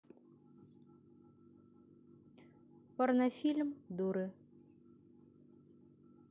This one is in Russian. порнофильм дуры